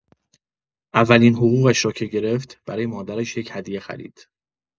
اولین حقوقش را که گرفت، برای مادرش یک هدیه خرید.